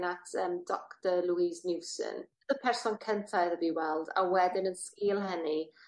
at yym doctor Louis Newson, y person cynta iddo fi weld a wedyn yn sgil hynny